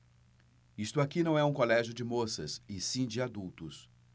isto aqui não é um colégio de moças e sim de adultos